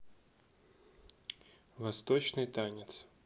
восточный танец